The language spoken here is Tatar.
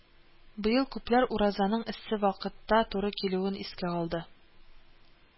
Быел күпләр Уразаның эссе вакытта туры килүен искә алды